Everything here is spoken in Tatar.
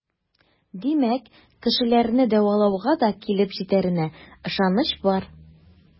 Димәк, кешеләрне дәвалауга да килеп җитәренә ышаныч бар.